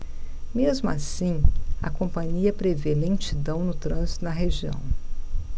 mesmo assim a companhia prevê lentidão no trânsito na região